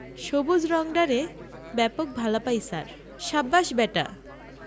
সবুজ রংডারে ব্যাপক ভালা পাই ছার সাব্বাস ব্যাটা